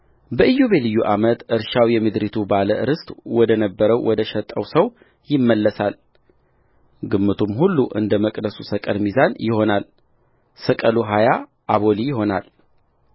በኢዮቤልዩ ዓመት እርሻው የምድሪቱ ባለ ርስት ወደ ነበረው ወደ ሸጠው ሰው ይመለሳልግምቱም ሁሉ እንደ መቅደሱ ሰቅል ሚዛን ይሆናል ሰቅሉ ሀያ አቦሊ ይሆናል